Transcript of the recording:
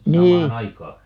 samaan aikaan